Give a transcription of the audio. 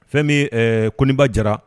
Fɛn min ye ɛɛ Koniba Jara